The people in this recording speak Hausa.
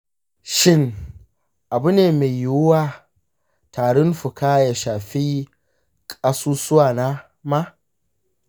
shin abu ne mai yiwuwa tarin fuka ya shafi ƙasusuwana ma?